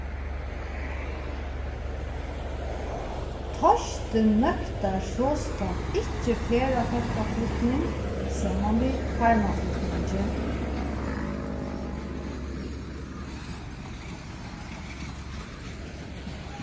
teistin nøktar sostatt ikki ferðafólkaflutning saman við farmaflutningi